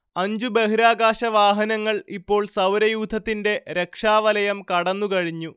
അഞ്ചു ബഹിരാകാശവാഹനങ്ങൾ ഇപ്പോൾ സൗരയൂഥത്തിന്റെ രക്ഷാവലയം കടന്നുകഴിഞ്ഞു